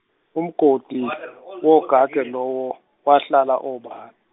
umgodi wogage lowo , wahlala obala.